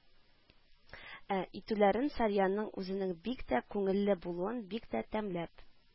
Итүләрен, сарьянның үзенең дә бик тә күңеле булуын бик тә тәмләп